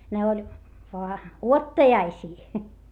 ne oli vain odottajaisia